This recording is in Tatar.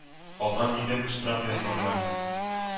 Калган идем, штраф язганнар.